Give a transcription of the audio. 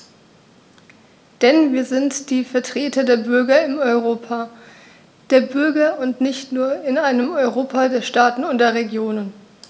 Denn wir sind die Vertreter der Bürger im Europa der Bürger und nicht nur in einem Europa der Staaten und der Regionen.